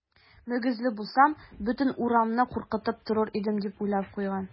Мөгезле булсам, бөтен урманны куркытып торыр идем, - дип уйлап куйган.